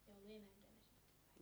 ja ollut emäntänä sitten vai